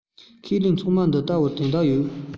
ཁས ལེན ཚང མ འདི ལྟ བུའི དོན དག ཡོད